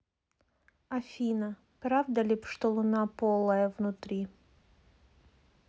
афина правда ли что луна полая внутри